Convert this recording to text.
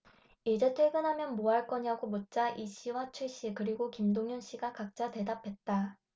이제 퇴근하면 뭐 할 거냐고 묻자 이씨와 최씨 그리고 김동윤씨가 각자 대답했다